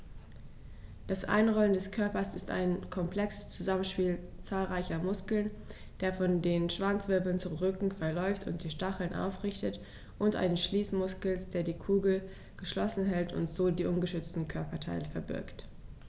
Das Einrollen des Körpers ist ein komplexes Zusammenspiel zahlreicher Muskeln, der von den Schwanzwirbeln zum Rücken verläuft und die Stacheln aufrichtet, und eines Schließmuskels, der die Kugel geschlossen hält und so die ungeschützten Körperteile verbirgt.